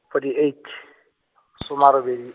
forty eight, soma a robedi, some a mane robed-.